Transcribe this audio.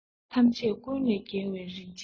ཐམས ཅད ཀུན ལས རྒྱལ བའི རིག ཅན ཡིན